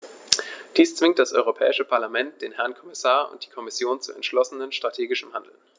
Dies zwingt das Europäische Parlament, den Herrn Kommissar und die Kommission zu entschlossenem strategischen Handeln.